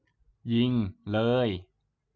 ยิงเลย